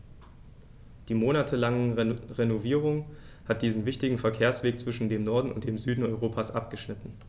Die monatelange Renovierung hat diesen wichtigen Verkehrsweg zwischen dem Norden und dem Süden Europas abgeschnitten.